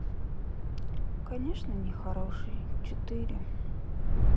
конечно нехороший четыре